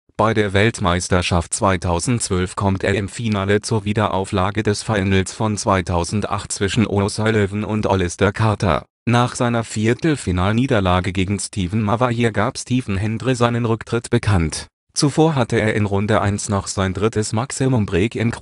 Bei der Weltmeisterschaft 2012 kommt es im Finale zur Wiederauflage des Finals von 2008 zwischen O’ Sullivan und Allister Carter. Nach seiner Viertelfinalniederlage gegen Stephen Maguire gab Stephen Hendry seinen Rücktritt bekannt. Zuvor hatte er in Runde eins noch sein drittes Maximum Break im